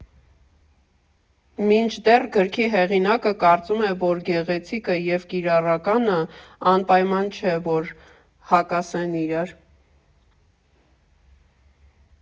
Մինչդեռ գրքի հեղինակը կարծում է, որ գեղեցիկը և կիրառականը անպայման չէ, որ հակասեն իրար.